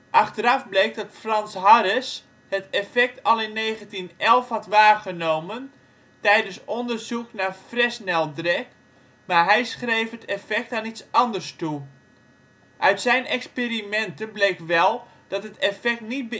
Achteraf bleek dat Franz Harress het effect al in 1911 had waargenomen tijdens onderzoek naar Fresnel drag, maar hij schreef het effect aan iets anders toe. Uit zijn experimenten bleek wel dat het effect niet